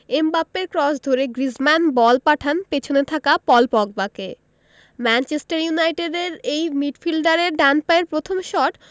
এমবাপ্পের ক্রস ধরে Griezmann ball পাঠান পেছনে থাকা পল পগবাকে ম্যানচেস্টার ইউনাইটেডের এই মিডফিল্ডারের ডান পায়ের প্রথম শট